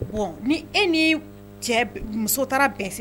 Ɔ ni e ni cɛ muso taara bɛ se